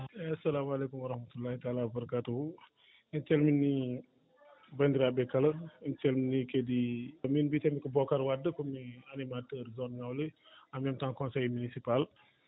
eeyi assalamu aleykum wa rahmatullahi talah wabarkatu hu en calminii banndiraaɓe kala en calminii kadi min mbiyetee mi ko Bocar Wade ko mi animateur zone ŋawle en même temps conseillé municipal